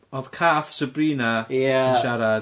Oedd cath Sabrina... Ia. ...Yn siarad?